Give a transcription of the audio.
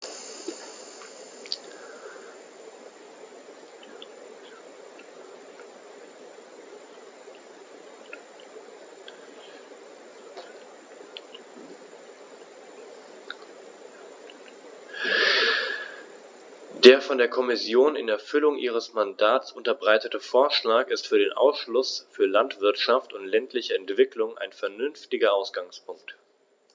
Der von der Kommission in Erfüllung ihres Mandats unterbreitete Vorschlag ist für den Ausschuss für Landwirtschaft und ländliche Entwicklung ein vernünftiger Ausgangspunkt.